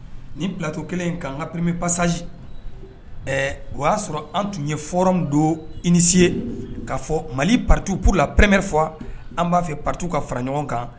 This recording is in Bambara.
Nin pto kelen in kan an ka premep pasazji ɛɛ o y'a sɔrɔ an tun ye hɔrɔn don i nisi ye ka fɔ mali parituupurla p-meri fɔ an b'a fɛ parituu ka fara ɲɔgɔn kan